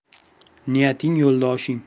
niyating yo'ldoshing